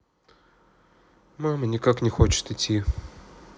мама никак не хочет идти